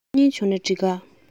སང ཉིན བྱུང ན འགྲིག ག